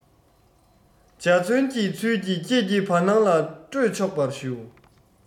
འཇའ ཚོན གྱི ཚུལ གྱིས ཁྱེད ཀྱི བར སྣང ལ སྤྲོས ཆོག པར ཞུ